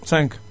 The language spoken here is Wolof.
5